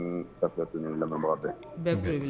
Safiyatu ani lamɛnbaga bɛɛ lajɛlen